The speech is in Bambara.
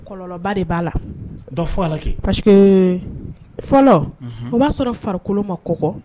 Kɔlɔnba de b'a la dɔ pa fɔlɔ o b'a sɔrɔ farikolokolo ma kokɔ